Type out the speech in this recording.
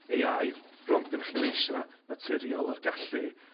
Ay Eye rhwng gynnoch chi leisia' naturiol a'r gallu